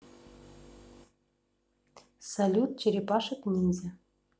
салют черепашек ниндзя